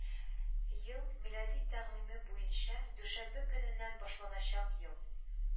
Ел – милади тәкъвиме буенча дүшәмбе көненнән башланачак ел